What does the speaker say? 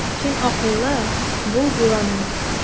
Син акыллы, бул дивана!